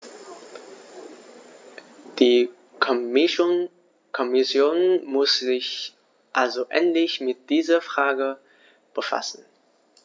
Die Kommission muss sich also endlich mit dieser Frage befassen.